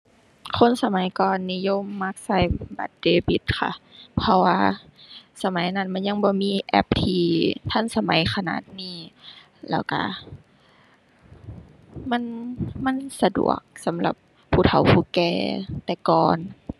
คนสมัยก่อนนิยมมักใช้บัตรเดบิตค่ะ เพราะว่าสมัยนั้นมันยังบ่มีแอปที่ทันสมัยขนาดนี้ แล้วใช้มัน มันสะดวกสำหรับผู้เฒ่าผู้แก่แต่ก่อน